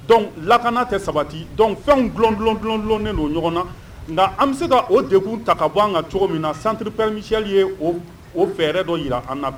Dɔnku lakana tɛ sabati dɔn fɛnw dulon dulonlonnen don ɲɔgɔn na nka an bɛ se ka o dekun ta ka bɔ an ka cogo min na sanurupɛmesili ye o fɛɛrɛ dɔ jira an na